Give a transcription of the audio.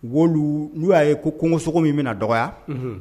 Wu n'u y'a ye ko kogosogo min bɛna na dɔgɔya